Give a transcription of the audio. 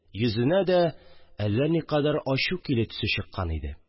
Йөзенә дә әллә никадәр ачу килү төсе чыккан иде